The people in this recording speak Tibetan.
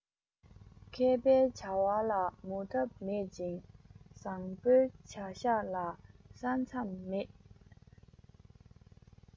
མཁས པའི བྱ བ ལ མུ མཐའ མེད ཅིང བཟང པོའི བྱ བཞག ལ ས མཚམས མེད